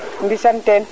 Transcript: mbisan teen